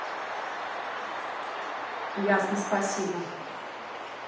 ясно спасибо